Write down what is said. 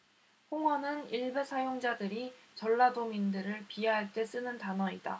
홍어는 일베 사용자들이 전라도민들을 비하할 때 쓰는 단어이다